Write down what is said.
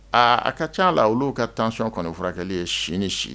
Aa a ka ca la olu ka tanson kɔni furakɛli ye sini si